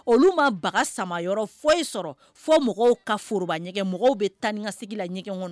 Olu ma bagan sama foyi ye sɔrɔ fɔ mɔgɔw ka foroba ɲɛgɛn mɔgɔw bɛ tan ni ka sigi la ɲɛgɛn kɔnɔ